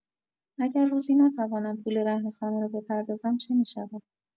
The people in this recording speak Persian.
اگر روزی نتوانم پول رهن خانه را بپردازم، چه می‌شود؟